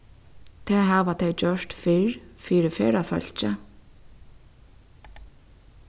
tað hava tey gjørt fyrr fyri ferðafólki